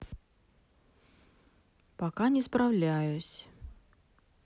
пока не справляюсь